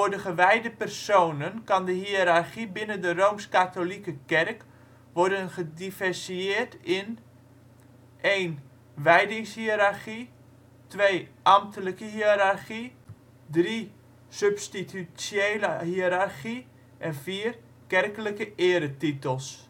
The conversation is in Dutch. de gewijde personen kan de hiërarchie binnen de Rooms-katholieke kerk worden gediversifieerd in: Wijdingshiërarchie Ambtelijke hiërarchie Substitutiële hiërarchie Kerkelijke eretitels